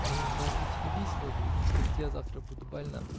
-- Ну разве тебе весело будет, если я завтра буду больна?